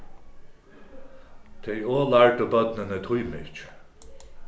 tey ovlærdu børnini tíma ikki